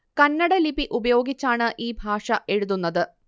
കന്നട ലിപി ഉപയോഗിച്ചാണ് ഈ ഭാഷ എഴുതുന്നത്